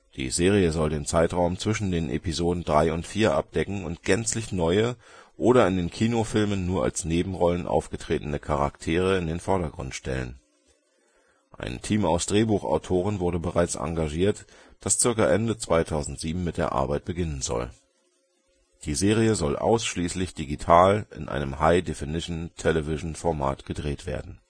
Die Serie soll den Zeitraum zwischen den Episoden III und IV abdecken und gänzlich neue oder in den Kinofilmen nur als Nebenrollen aufgetretene Charaktere in den Vordergrund stellen. Ein Team aus Drehbuchautoren wurde bereits engagiert, das ca. Ende 2007 mit der Arbeit beginnen soll. Die Serie soll ausschließlich digital in einem High-Definition-Television-Format gedreht werden